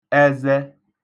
ẹzẹ